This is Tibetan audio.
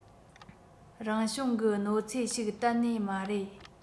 རང བྱུང གི གནོད འཚེ ཞིག གཏན ནས མ རེད